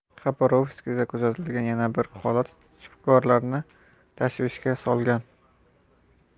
xabarovskda kuzatilgan yana bir holat shifokorlarni tashvishga solgan